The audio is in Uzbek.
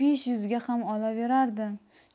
besh yuzga ham olaverardim